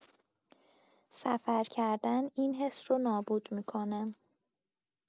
سفر کردن این حس رو نابود می‌کنه.